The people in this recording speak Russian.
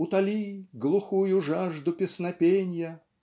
"Утоли Глухую жажду песнопенья".